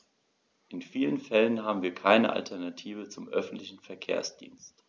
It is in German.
In vielen Fällen haben wir keine Alternative zum öffentlichen Verkehrsdienst.